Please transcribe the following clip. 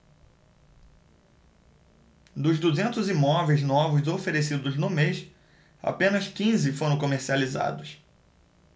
dos duzentos imóveis novos oferecidos no mês apenas quinze foram comercializados